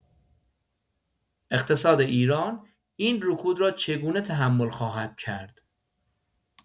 اقتصاد ایران این رکود را چگونه تحمل خواهد کرد؟